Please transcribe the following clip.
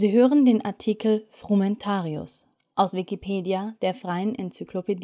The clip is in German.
hören den Artikel Frumentarius, aus Wikipedia, der freien Enzyklopädie